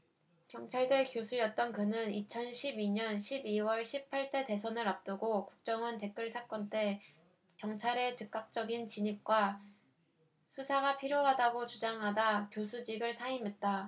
경찰대 교수였던 그는 이천 십 이 년 십 이 월 십 팔 대 대선을 앞두고 국정원 댓글 사건 때 경찰의 즉각적인 진입과 수사가 필요하다고 주장하다 교수직을 사임했다